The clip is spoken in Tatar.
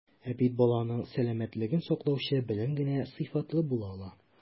Ә бит баланың сәламәтлеген саклаучы белем генә сыйфатлы була ала.